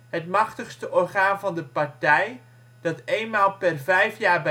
het machtigste orgaan van de partij dat éénmaal per 5 jaar